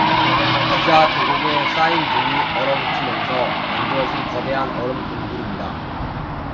기자 계곡에 쌓인 눈이 얼어붙으면서 만들어진 거대한 얼음 동굴입니다